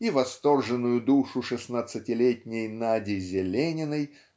и восторженную душу шестнадцатилетней Нади Зелениной